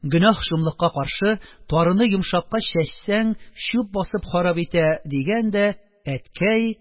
Гөнаһ шомлыкка каршы, тарыны йомшакка чәчсәң, чүп басып, харап итә дигән дә, әткәй.